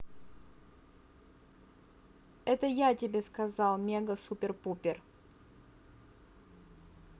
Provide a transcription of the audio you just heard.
это я тебе сказал мега супер пупер